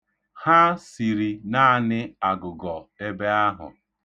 Ha siri naanị agụgọ ebe ahụ.